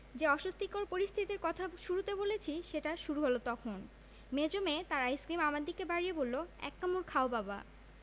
যে অস্বস্তিকর পরিস্থিতির কথা শুরুতে বলেছি সেটা শুরু হল তখন মেজো মেয়ে তার আইসক্রিম আমার দিকে বাড়িয়ে বলল এক কামড় খাও বাবা